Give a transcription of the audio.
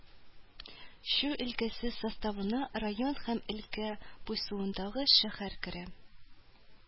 Чуй өлкәсе составына район һәм өлкә буйсыуындагы шәһәр керә